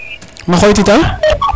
ma xoyti ta